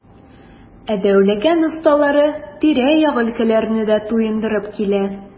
Ә Дәүләкән осталары тирә-як өлкәләрне дә туендырып килә.